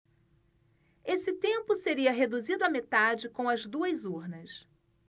esse tempo seria reduzido à metade com as duas urnas